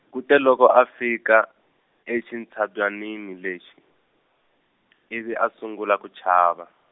kute loko a fika exintshabyanini lexi , ivi a sungula ku chava.